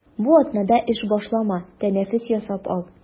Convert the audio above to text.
Бу атнада эш башлама, тәнәфес ясап ал.